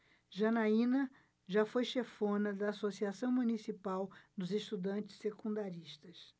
janaina foi chefona da ames associação municipal dos estudantes secundaristas